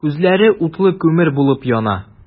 Күзләре утлы күмер булып яна.